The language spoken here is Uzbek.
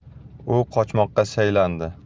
u qochmoqqa shaylandi